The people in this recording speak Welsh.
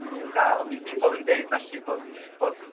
ma' n'w'n ga'l ddim bo' fi'n deud felly bod bod